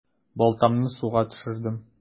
Балтамны суга төшердем.